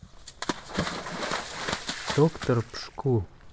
доктор пшку